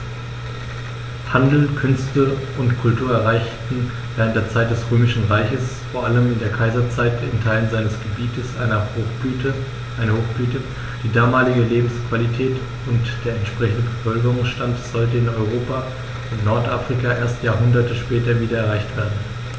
Handel, Künste und Kultur erreichten während der Zeit des Römischen Reiches, vor allem in der Kaiserzeit, in Teilen seines Gebietes eine Hochblüte, die damalige Lebensqualität und der entsprechende Bevölkerungsstand sollten in Europa und Nordafrika erst Jahrhunderte später wieder erreicht werden.